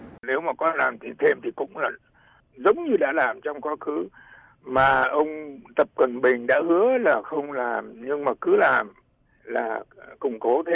nếu mà có làm thêm thì cũng là giống như đã làm trong quá khứ mà ông tập cận bình đã hứa là không làm nhưng mà cứ làm là củng cố thêm